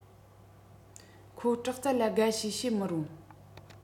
ཁོ དྲག རྩལ ལ དགའ ཞེས བཤད མི རུང